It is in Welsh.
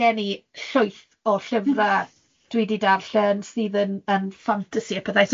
ma' gen i llwyth o llyfra' dwi 'di darllen sydd yn yn ffantasi a pethau.